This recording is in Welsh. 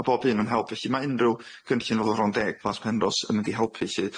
Ma' bob un yn help felly ma' unryw cynllun o'dd o Fron Deg Plas Penrose yn mynd i helpu lly.